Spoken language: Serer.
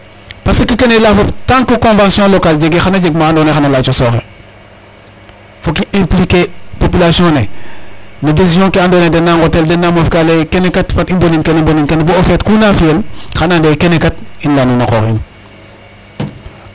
Parce que kene i layaa fop tant que convention locale jegee xan a jeg ma andoona yee xan a yaaco sookee fok i impliquer population no décision ke andoona yee den na nqotel den na moofka lay ee kene kat fat i mbondin kene mbondin kene bo o feet ku na fi'el xan o ande kene kat in mbi'anun a qoox in.